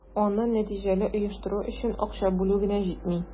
Аны нәтиҗәле оештыру өчен акча бүлү генә җитми.